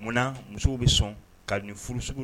Munna musow bɛ sɔn ka nin furu sugu